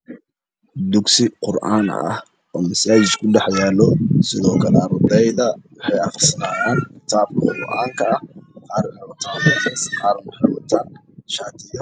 Waa masaajid waxaa fadhiya wiilal wataan shaatiyo caddaan